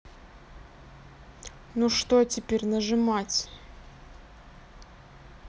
ну что теперь нажимать